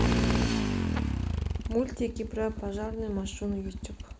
мультики про пожарную машину ютуб